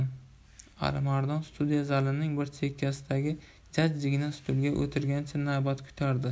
alimardon studiya zalining bir chekkasidagi jajjigina stulga o 'tirgancha navbat kutardi